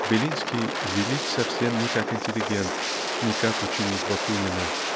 Белинский велик совсем не как интеллигент не как ученик Бакунина